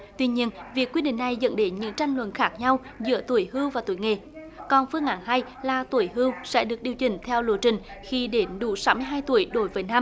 tuy nhiên việc quy định này dẫn đến những trăn lượng khác nhau giữa tuổi hưu và tuổi nghề còn phương án hai là tuổi hưu sẽ được điều chỉnh theo lộ trình khi đến đủ sáu mươi hai tuổi đối với nam